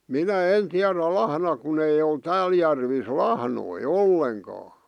minä en tiedä lahna kun ei ole täällä järvissä lahnoja ollenkaan